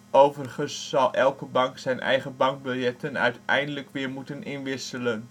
Overigens zal elke bank zijn eigen bankbiljetten uiteindelijk weer moeten inwisselen